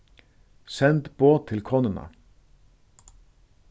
send boð til konuna